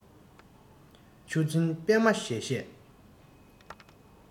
ཆུ འཛིན པད མ བཞད བཞད